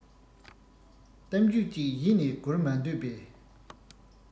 གཏམ རྒྱུད ཅིག ཡིད ནས སྒུལ མ འདོད པས